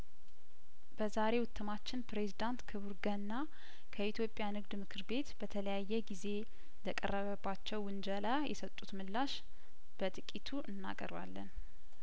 በዛሬው እትማችን ፕሬዚዳንት ክቡር ገና ከኢትዮጵያ ንግድምክር ቤት በተለያየ ጊዜ ለቀረበባቸው ውንጀላ የሰጡት ምላሽ በጥቂቱ እናቀርባለን